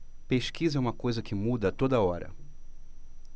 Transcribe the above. pesquisa é uma coisa que muda a toda hora